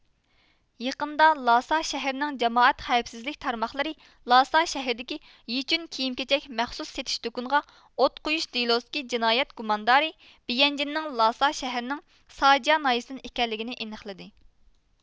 يېقىندا لاسا شەھىرىنىڭ جامائەت خەۋەپسىزلىك تارماقلىرى لاسا شەھىرىدىكى يىچۈن كىيىم كېچەك مەخسۇس سېتىش دۇككىنىغا ئوت قويۇش دېلوسىدىكى جىنايەت گۇماندارى بيەنجىنىڭ لاسا شەھىرىنىڭ ساجيا ناھىيىسىدىن ئىكەنلىكىنى ئېنىقلىدى